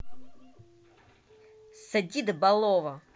сади до болова